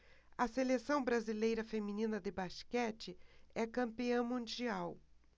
a seleção brasileira feminina de basquete é campeã mundial